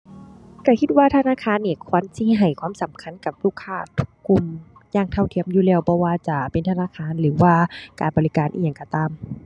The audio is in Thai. ก็คิดว่าธนาคารนี่ควรสิให้ความสำคัญกับลูกค้าทุกกลุ่มอย่างเท่าเทียมอยู่แล้ว บ่ว่าจะเป็นธนาคารหรือว่าการบริการอิหยังก็ตาม